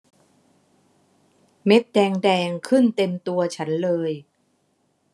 เม็ดแดงแดงขึ้นเต็มตัวฉันเลย